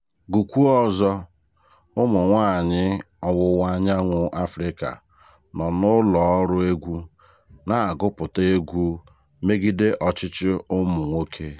Gụkwuo ọzọ: Ụmụ nwaanyị Ọwụwa Anyanwụ Afịrịka nọ n'ụlọ ọrụ egwu na-agụpụta egwu megide ọchịchị ụmụ nwoke